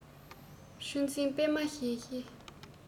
ཆུ འཛིན པད མ བཞད བཞད